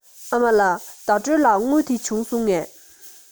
ཨ མ ལགས ཟླ སྒྲོན ལ དངུལ དེ བྱུང སོང ངས